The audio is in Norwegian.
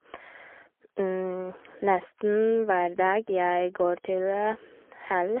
Nesten hver dag jeg går til hall.